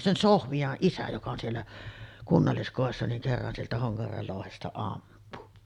sen Sofian isä joka on siellä kunnalliskodissa niin kerran sieltä Honkajärven louhesta ampui